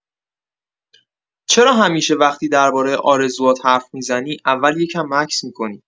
چرا همیشه وقتی درباره آرزوهات حرف می‌زنی، اول یه کم مکث می‌کنی؟